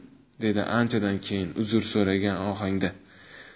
dedi anchadan keyin uzr so'ragan ohangda